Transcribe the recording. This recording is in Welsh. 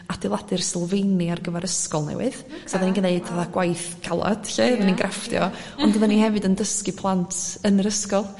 adeiladu'r sylfeini ar gyfer ysgol newydd so odda ni'n gneud fatha gwaith calad llu odda ni'n graffdio ond odda ni hefyd yn dysgu plant yn yr ysgol